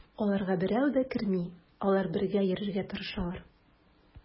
Аларга берәү дә керми, алар бергә йөрергә тырышалар.